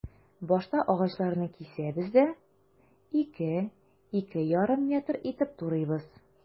Башта агачларны кисәбез дә, 2-2,5 метр итеп турыйбыз.